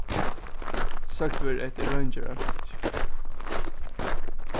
søkt verður eftir reingerðarfólki